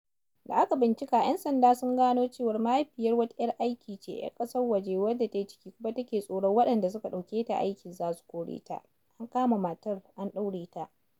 Da aka bincika, 'yan sanda sun gano cewa mahaifiyar wata 'yar aiki ce 'yar ƙasar waje wadda ta yi ciki kuma take tsoron waɗanda suka ɗauke ta aiki za su kore ta. An kama matar an ɗaure ta.